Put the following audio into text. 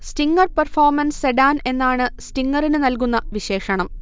Stinger performance sedan എന്നാണ് സ്റ്റിങ്ങറിന് നൽകുന്ന വിശേഷണം